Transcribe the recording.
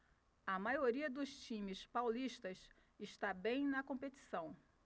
a maioria dos times paulistas está bem na competição